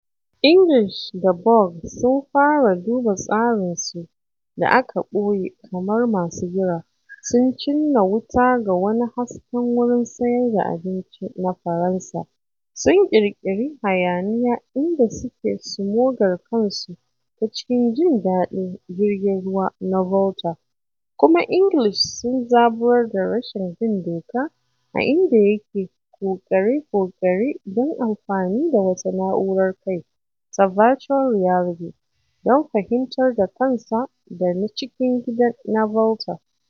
English da Bough sun fara duba tsarinsu: da aka ɓoye kamar masu jira, sun cinna wuta ga wani hasken wurin sayar da abinci na Faransa; sun ƙirƙiri hayaniya inda suke sumogar kansu ta cikin jin daɗi jirgin ruwa na Volta; kuma English sun zaburar da rashin bin doka a inda yake ƙoƙare-ƙoƙare don amfani da wata na'urar kai ta Virtual Reality don fahimtar da kansa da cikin gidan na Volta.